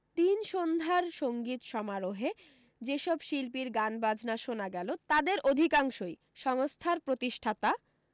তিন সন্ধ্যার সঙ্গীত সমারোহে যে সব শিল্পীর গানবাজনা শোনা গেল তাদের অধিকাংশি সংস্থার প্রতিষ্ঠাতা